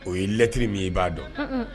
O ye lɛttiriri min ye i b'a dɔn